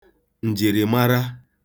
ǹjìrìmara